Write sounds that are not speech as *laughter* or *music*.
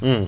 *hesitation*